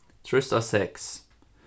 trýst á seks